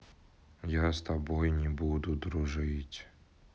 я с тобой не буду дружить